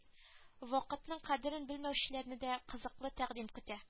Вакытның кадерен белүчеләрне дә кызыклы тәкъдим көтә